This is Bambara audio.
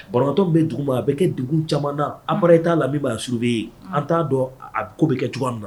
Bɔntɔn bɛ dugu ma a bɛ kɛ dugu caman na anba t'a la min' a suurbi bɛ ye an t'a dɔn a ko bɛ kɛ cogoya na